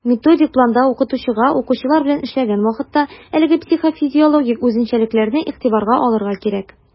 Методик планда укытучыга, укучылар белән эшләгән вакытта, әлеге психофизиологик үзенчәлекләрне игътибарга алырга кирәк.